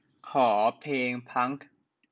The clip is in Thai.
ขอเพลงพังค์